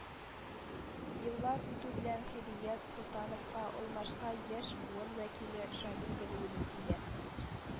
Еллар үтү белән Һидият Солтановка алмашка яшь буын вәкиле Шамил Галиуллин килә